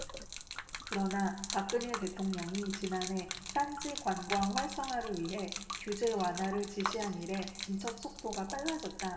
그러나 박근혜 대통령이 지난해 산지관광 활성화를 위해 규제 완화를 지시한 이래 진척 속도가 빨라졌다